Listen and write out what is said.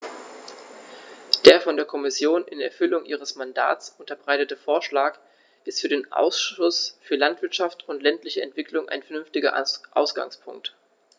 Der von der Kommission in Erfüllung ihres Mandats unterbreitete Vorschlag ist für den Ausschuss für Landwirtschaft und ländliche Entwicklung ein vernünftiger Ausgangspunkt.